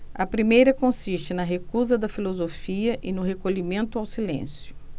a primeira consiste na recusa da filosofia e no recolhimento ao silêncio